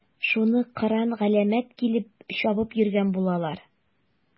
Шуны кыран-галәмәт килеп чабып йөргән булалар.